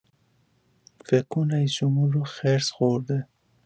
فکر کن رئیس‌جمهور رو خرس خورده!